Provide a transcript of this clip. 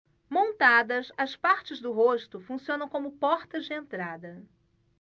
montadas as partes do rosto funcionam como portas de entrada